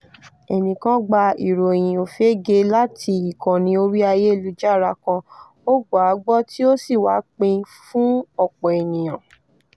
Ẹnìkan gba ìròyìn òfegè láti ìkànnì orí ayélujára kan, ó gbà á gbọ́ tí ó sì wá pín in fún ọ̀pọ̀ èèyàn.